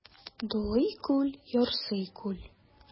Дулый күл, ярсый күл.